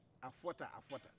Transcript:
a fɔ tan a fɔ tan